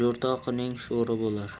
bo'lar jo'rtoqining sho'ri bo'lar